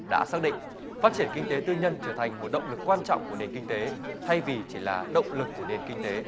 đã xác định phát triển kinh tế tư nhân trở thành một động lực quan trọng của nền kinh tế thay vì chỉ là động lực của nền kinh tế